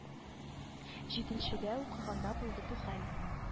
Җиденчедә укыганда булды бу хәл